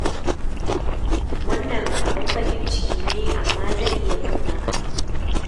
Wannan abun bakin ciki ne, amma zai iya fin haka. "